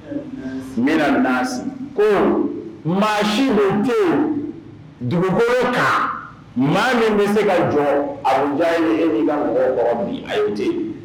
min naas ko maa si de tɛ yen, dugukolo kan maa min bɛ se ka jɔ Abu jaahil e ni ka mɔgɔ bi!